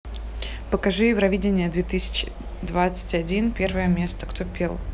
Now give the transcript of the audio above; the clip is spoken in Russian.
покажи евровидение две тысячи двадцать один первое место кто пел